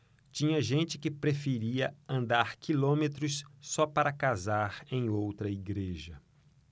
tinha gente que preferia andar quilômetros só para casar em outra igreja